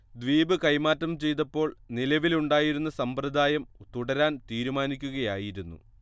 ദ്വീപ് കൈമാറ്റം ചെയ്തപ്പോൾ നിലവിലുണ്ടായിരുന്ന സമ്പ്രദായം തുടരാൻ തീരുമാനിക്കുകയായിരുന്നു